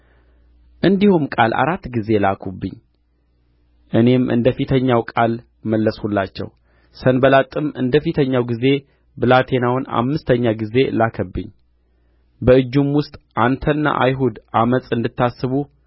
እንዲህም ቃል አራት ጊዜ ላኩብኝ እኔም እንደ ፊተኛው ቃል መለስሁላቸው ሰንባላጥም እንደ ፊተኛው ጊዜ ብላቴናውን አምስተኛ ጊዜ ላከብኝ በእጁም ውስጥ አንተና አይሁድ ዓመፅ እንድታስቡ